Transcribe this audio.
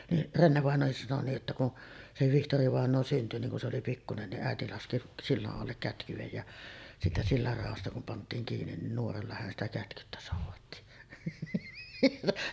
niin Renne-vainajakin sanoi niin että kun se Vihtori-vainaja syntyi niin kun se oli pikkuinen niin äiti laski sillan alle kätkyen ja siitä sillan raosta kun pantiin kiinni niin nuoralla hän sitä kätkytti soudatti